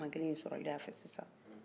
o ye cɛma kelen sɔrɔlen y'a fɛ sinsa